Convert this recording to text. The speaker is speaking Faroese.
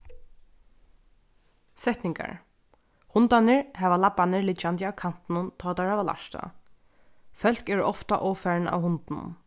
setningar hundarnir hava labbarnar liggjandi á kantinum tá teir hava lært tað fólk eru ofta ovfarin av hundunum